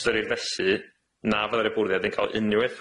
Ystyrir felly na fyddai'r 'yn bwriad ni'n ca'l unryw effaith